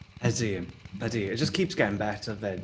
Ydi, ydi, it just keeps getting better 'fyd.